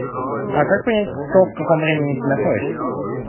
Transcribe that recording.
а как понять то в каком времени ты находишься